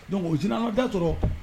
Dɔnku sin da sɔrɔ